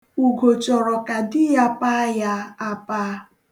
Ugo chọrọ ka di ya paa ya apaa.